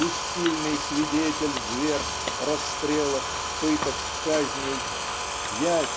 бессильный Свидетель зверств расстрелов пыток казней Я